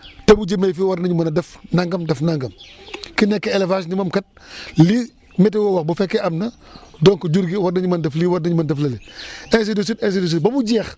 te bu jëmee fii war nañ mën a def nangam def nangam ki nekk élevage ni moom kat lii météo wax bu fekkee am na donc jur gi war nañu mën def lii war nañ mën def lële ainsi de suite ainsi de suite ba mu jeex